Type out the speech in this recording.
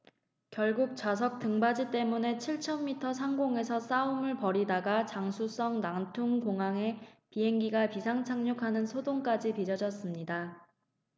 결국 좌석 등받이 때문에 칠천 미터 상공에서 싸움을 벌이다가 장쑤성 난퉁공항에 비행기가 비상 착륙하는 소동까지 빚어졌습니다